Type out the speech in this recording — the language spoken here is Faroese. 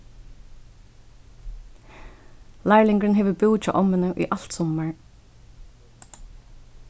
lærlingurin hevur búð hjá ommuni í alt summar